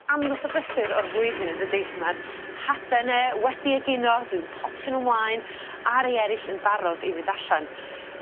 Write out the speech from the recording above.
andros o brysur o'r flwyddyn yndydi lle ma'r hade 'ne wedi egino dwi'n potio n'w mlaen a rei eryll yn barod i fynd allan.